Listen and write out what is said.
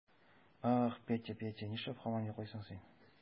Ах, Петя, Петя, нишләп һаман йоклыйсың син?